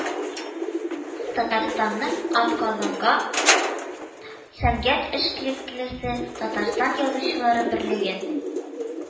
Татарстанның атказанга сәнгать эшлеклесе , Татарстан Язучылар берлегенең